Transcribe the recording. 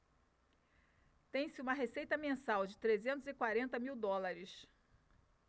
tem-se uma receita mensal de trezentos e quarenta mil dólares